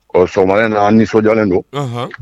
Ɔ sɔgɔmada in na an nisɔndiyalen don, anhan